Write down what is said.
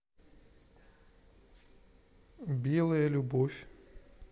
белая любовь